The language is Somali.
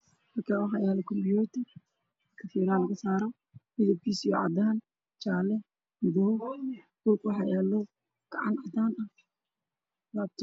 Halkaan waxaa yaalo kumiitar katiinaha lugu saaro midabkiisu waa cadaan iyo jaale, madow. Dhulka waxaa yaalo gacan laabtoob heyso.